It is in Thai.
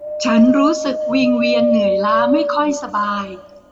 ฉันรู้สึกวิงเวียนเหนื่อยล้าไม่ค่อยสบาย